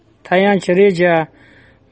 tayanch reja